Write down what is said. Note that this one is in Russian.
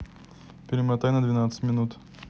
перемотай на двенадцать минут